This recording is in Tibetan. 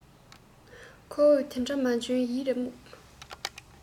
ཁོ བོས དེ འདྲ མ འཇོན ཡིད རེ རྨུགས